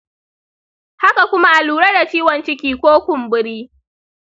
haka kuma a lura da ciwon ciki ko kumburi